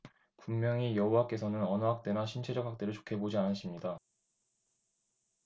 분명히 여호와께서는 언어 학대나 신체적 학대를 좋게 보지 않으십니다